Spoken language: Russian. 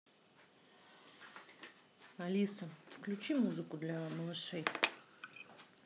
алиса включи музыку для малышей